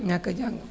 ñàkk a jàng